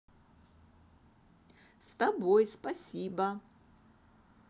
с тобой спасибо